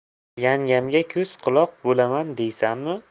yangamga ko'z quloq bolaman deysanmi